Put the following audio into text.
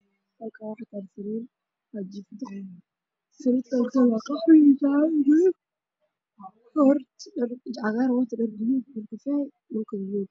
Hal kaan waxaa iiga muuqda nin xanuun san